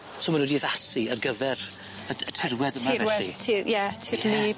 So ma' nw 'di addasu ar gyfer y d- y tirwedd... Tirwedd... ...yma felly? ...tir- ie tir wlyb. Ie.